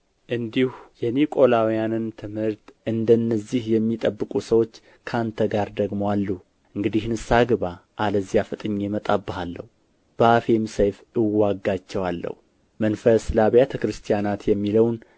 እንዲሁ የኒቆላውያንን ትምህርት እንደ እነዚህ የሚጠብቁ ሰዎች ከአንተ ጋር ደግሞ አሉ እንግዲህ ንስሐ ግባ አለዚያ ፈጥኜ እመጣብሃለሁ በአፌም ሰይፍ እዋጋቸዋለሁ መንፈስ ለአብያተ ክርስቲያናት የሚለውን